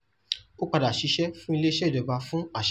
Ó padà ṣiṣẹ́ fún Ilé-iṣẹ́ Ìjọba fún Àṣà.